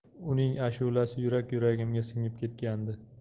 uning ashulasi yurak yuragimga singib ketgandi